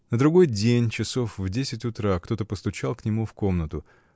На другой день, часов в десять утра, кто-то постучал к нему в комнату.